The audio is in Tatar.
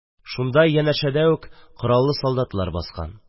Шунда, янәшәдә үк, кораллы солдатлар баскан.